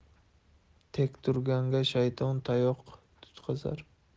tek turganga shayton tayoq tutqazar